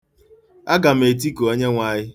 Aga m etiku Onyenweanyị.